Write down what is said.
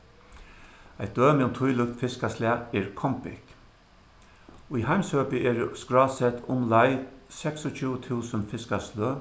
eitt dømi um tílíkt fiskaslag er kombikk í heimshøpi eru skrásett umleið seksogtjúgu túsund fiskasløg